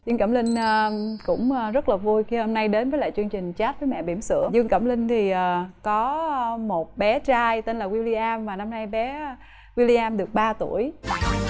dương cẩm linh cũng rất là vui khi hôm nay đến với lại chương trình chát với mẹ bỉm sữa dương cẩm linh thì có một bé trai tên là guy li am và năm nay bé guy li am được ba tuổi